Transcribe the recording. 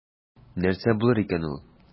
Нәрсә булыр икән ул?